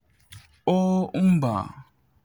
Oh, mba.